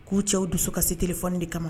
K'u cɛw dusu ka se kelenfi de kama